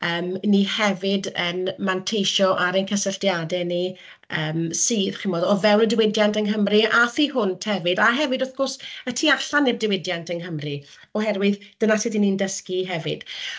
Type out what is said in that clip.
Yym 'y ni hefyd yn manteisio ar ein cysylltiadau ni yym sydd chi'n gwybod, o fewn y diwydiant yng Nghymru a thu hwnt hefyd, a hefyd wrth gwrs y tu allan i'r diwydiant yng Nghymru, oherwydd dyna sut 'y ni'n dysgu hefyd.